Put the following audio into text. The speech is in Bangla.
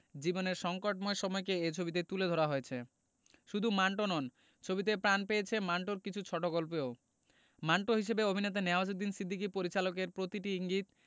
জীবনের সংকটময় সময়কে এ ছবিতে তুলে ধরা হয়েছে শুধু মান্টো নন ছবিতে প্রাণ পেয়েছে মান্টোর কিছু ছোটগল্পও মান্টো হিসেবে অভিনেতা নওয়াজুদ্দিন সিদ্দিকী পরিচালকের প্রতিটি ইঙ্গিত